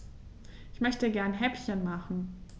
Ich möchte gerne Häppchen machen.